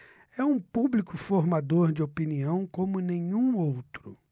é um público formador de opinião como nenhum outro